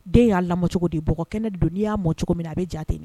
Den y'a lacogo di bɔɔgɔ kɛnɛ don n'i y'a ma cogocogo min na a bɛ ja jate minɛ